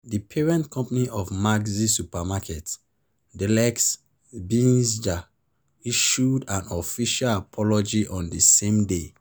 The parent company of Maxi supermarkets, Delez Srbija, issued an official apology on the same day.